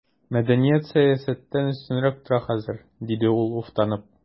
Мәдәният сәясәттән өстенрәк тора хәзер, диде ул уфтанып.